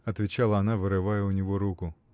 — отвечала она, вырывая у него руку.